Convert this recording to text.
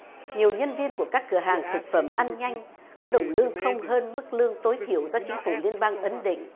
nhiều nhân viên của các cửa hàng thực phẩm ăn nhanh có đồng lương không hơn mức lương tối thiểu do chính phủ liên bang ấn định